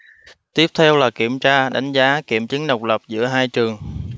tiếp theo là kiểm tra đánh giá kiểm chứng độc lập giữa hai trường